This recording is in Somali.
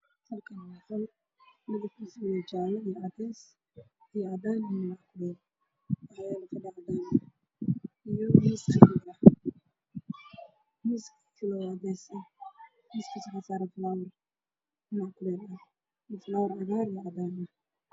Meeshaan waa miis waxa uu leeyahay muraayad waxaa yaalo karaa meesha saaran ubax ca